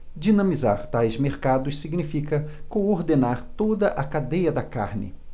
dinamizar tais mercados significa coordenar toda a cadeia da carne